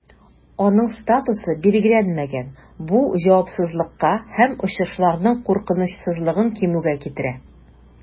Аның статусы билгеләнмәгән, бу җавапсызлыкка һәм очышларның куркынычсызлыгын кимүгә китерә.